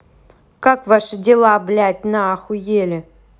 как ваши дела блядь на ахуели